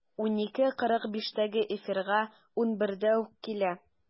12.45-тәге эфирга 11-дә үк килә.